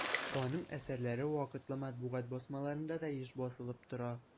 Аның әсәрләре вакытлы матбугат басмаларында да еш басылып тора.